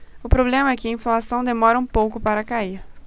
o problema é que a inflação demora um pouco para cair